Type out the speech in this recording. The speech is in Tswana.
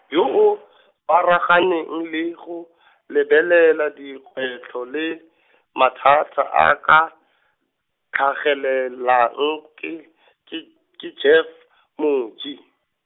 yo o, tshwaraganeng le go , lebelela dikgwetlho le , mathata a ka, tlhagelelang ke , ke ke Jeff Moji.